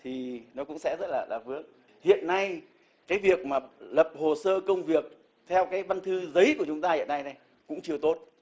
thì nó cũng sẽ rất là là vướng hiện nay cái việc mà lập hồ sơ công việc theo cái văn thư giấy của chúng ta hiện nay đây cũng chưa tốt